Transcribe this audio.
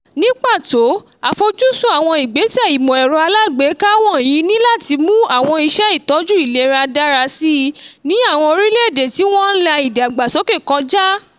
Ní pàtó, àfojúsùn àwọn ìgbésẹ̀ ìmọ̀-ẹ̀rọ alágbèéká wọ̀nyìí ni láti mú àwọn iṣẹ́ ìtọ́jú ìlera dára síi ní àwọn orílẹ̀-èdè tí wọ́n ń la ìdàgbàsókè kọjá.